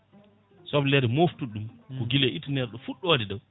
soblere moftude ɗum ko guila e ittanede ɗo fuɗɗode ɗo